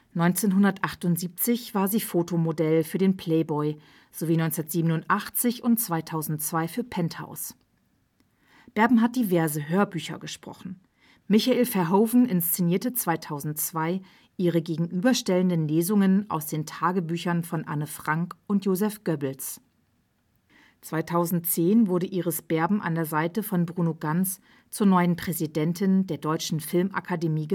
1978 war sie Fotomodell für den Playboy sowie 1987 und 2002 für Penthouse. Berben hat diverse Hörbücher gesprochen. Michael Verhoeven inszenierte 2002 ihre gegenüberstellenden Lesungen aus den Tagebüchern von Anne Frank und Joseph Goebbels. 2010 wurde Iris Berben an der Seite von Bruno Ganz zur neuen Präsidentin der Deutschen Filmakademie